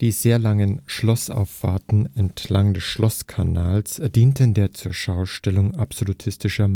sehr langen Schlossauffahrten entlang des Schlosskanals dienten der Zurschaustellung absolutistischer